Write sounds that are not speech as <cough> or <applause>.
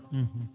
<hesitation> <hesitation>